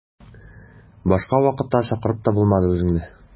Башка вакытта чакырып та булмады үзеңне.